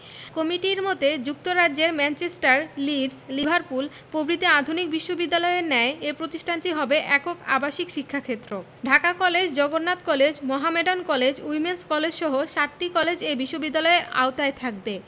কমিটির মতে যুক্তরাজ্যের ম্যানচেস্টার লিডস লিভারপুল প্রভৃতি আধুনিক বিশ্ববিদ্যালয়ের ন্যায় এ প্রতিষ্ঠানটি হবে একক আবাসিক শিক্ষাক্ষেত্র Dhaka college Jagannath college Mohammedan college women's কলেজসহ সাতটি কলেজ এ বিশ্ববিদ্যালয়ের আওতায় থাকবে